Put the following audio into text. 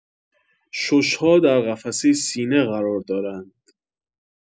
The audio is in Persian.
شش‌ها در قفسه سینه قرار دارند